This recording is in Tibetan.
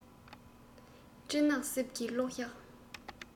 སྤྲིན ནག གསེབ ཀྱི གློག ཞགས